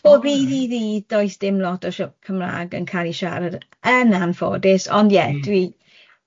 O ddydd i ddydd, does dim lot o siar- Cymraeg yn cael ei siarad yn anffodus ond ie... Mm... dwi